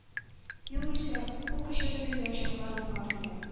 Югыйсә, кул кычытып йөргән чакларым бар иде.